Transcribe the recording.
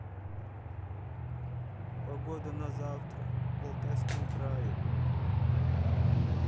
погода на завтра в алтайском крае